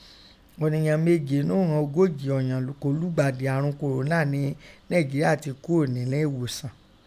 Ọ̀ǹyan meji ńnu ìghọn ogoji ọ̀ǹyan ko lugbadi arun kòrónà nẹ́ Nàìnjíeríà tẹ kuo nẹ́le ẹ̀ghosan.